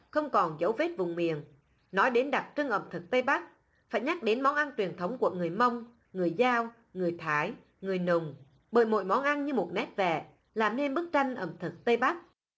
không còn dấu vết vùng miền nói đến đặc trưng ẩm thực tây bắc phải nhắc đến món ăn truyền thống của người mông người dao người thái người nùng bởi mỗi món ăn như một nét vẽ làm nên bức tranh ẩm thực tây bắc